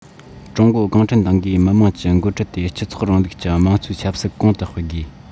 ཀྲུང གོའི གུང ཁྲན ཏང གིས མི དམངས ཀྱི འགོ ཁྲིད དེ སྤྱི ཚོགས རིང ལུགས ཀྱི དམངས གཙོའི ཆབ སྲིད གོང དུ སྤེལ དགོས